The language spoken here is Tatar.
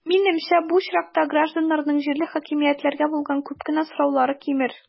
Минемчә, бу очракта гражданнарның җирле хакимиятләргә булган күп кенә сораулары кимер.